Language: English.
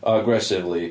Aggressively.